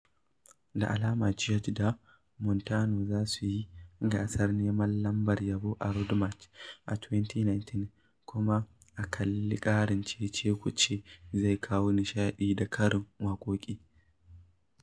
Da alama George da Montano za su yi gasar neman lambar yabo ta Road March ta 2019, kuma a kalla, ƙarin ce-ce-ku-ce zai kawo nishadi da ƙarin waƙoƙi